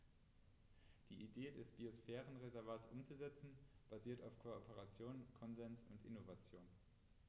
Die Idee des Biosphärenreservates umzusetzen, basiert auf Kooperation, Konsens und Innovation.